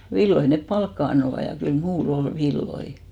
villoja ne palkkaa antoivat ja kyllä minulla oli villoja